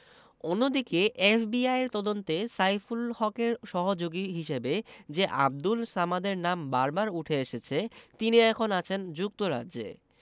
অন্যদিকে এফবিআইয়ের তদন্তে সাইফুল হকের সহযোগী হিসেবে যে আবদুল সামাদের নাম বারবার উঠে এসেছে তিনি এখন আছেন যুক্তরাজ্যে